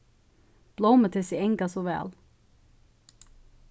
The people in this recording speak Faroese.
blómutyssið angar so væl